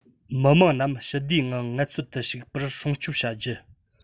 མི དམངས རྣམས ཞི བདེའི ངང ངལ རྩོལ དུ ཞུགས པར སྲུང སྐྱོབ བྱ རྒྱུ